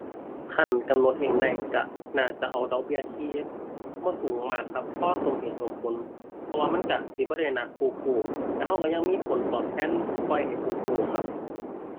คันกำหนดเองได้ก็น่าจะเอาดอกเบี้ยที่บ่สูงมากครับ พอสมเหตุสมผล เพราะว่ามันก็สิบ่ได้หนักผู้กู้ แล้วก็ก็ยังมีผลตอบแทนปล่อยให้ผู้กู้ครับ